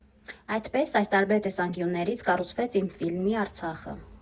Այդպես, այս տարբեր տեսանկյուններից կառուցվեց իմ ֆիլմի Արցախը։